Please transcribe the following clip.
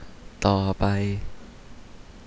ต่อไป